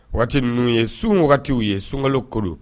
Wagati ninnu ye sun wagati u ye sunkalo koro